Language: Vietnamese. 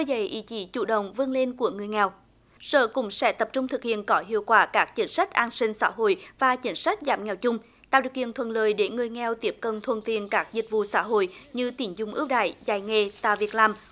dậy ý chí chủ động vươn lên của người nghèo sở cũng sẽ tập trung thực hiện có hiệu quả các chính sách an sinh xã hội và chính sách giảm nghèo chung tạo điều kiện thuận lợi để người nghèo tiếp cận thuận tiện các dịch vụ xã hội như tín dụng ưu đãi dạy nghề tạo việc làm